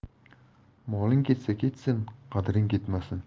moling ketsa ketsin qadring ketmasin